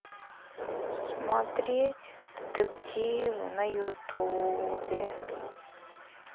смотреть детективы на ютубе